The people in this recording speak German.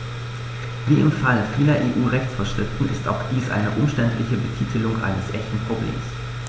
Wie im Fall vieler EU-Rechtsvorschriften ist auch dies eine umständliche Betitelung eines echten Problems.